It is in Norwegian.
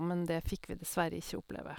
Men det fikk vi dessverre ikke oppleve.